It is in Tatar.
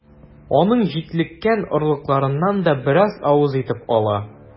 Аның җитлеккән орлыкларыннан да бераз авыз итеп ала.